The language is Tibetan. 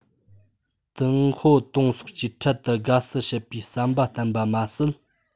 ཏིན ཧའོ ཏུང སོགས ཀྱིས འཕྲལ དུ དགའ བསུ བྱེད པའི བསམ པ བསྟན པ མ ཟད